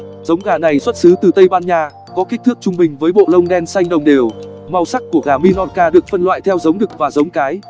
giống gà này xuất xứ từ tây ban nha có kích thước trung bình với bộ lông đen xanh đồng đều màu sắc của gà minorca được phân loại theo giống đực và giống cái